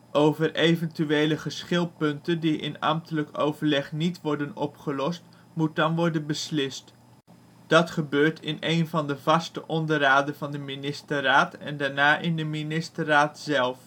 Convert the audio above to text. Over eventuele geschilpunten die in ambtelijk overleg niet konden worden opgelost, moet dan worden beslist. Dat gebeurt eerst in één van de vaste onderraden van de ministerraad en daarna in de ministerraad zelf